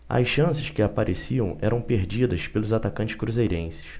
as chances que apareciam eram perdidas pelos atacantes cruzeirenses